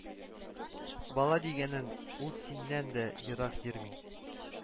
Бала дигәнең ул синнән дә ерак йөрми